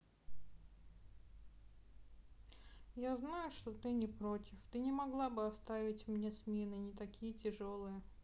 я знаю что ты не против ты не могла бы оставить мне смены не такие тяжелые